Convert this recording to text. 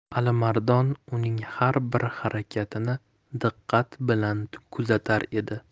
alimardon uning har bir harakatini diqqat bilan kuzatar edi